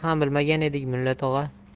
ham bilmagan edik mulla tog'a